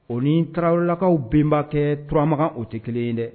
O ni taraweleraw lakaw bɛnenba kɛ turamagan o tɛ kelen ye dɛ